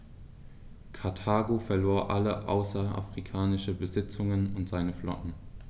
Karthago verlor alle außerafrikanischen Besitzungen und seine Flotte.